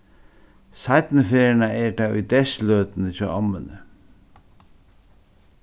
seinnu ferðina er tað í deyðsløtuni hjá ommuni